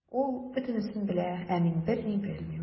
Ул бөтенесен белә, ә мин берни белмим.